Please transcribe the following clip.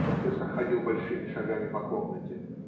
Профессор ходил большими шагами по комнате.